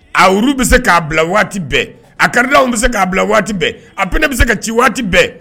Auru bɛ se k'a bila waati bɛɛ a karida bɛ se k ka' bila waati bɛɛ ap ne bɛ se ka ci waati bɛɛ